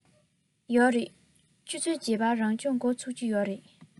ཡོད རེད ཆུ ཚོད བརྒྱད པར རང སྦྱོང འགོ ཚུགས ཀྱི རེད